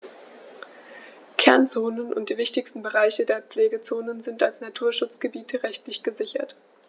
Kernzonen und die wichtigsten Bereiche der Pflegezone sind als Naturschutzgebiete rechtlich gesichert.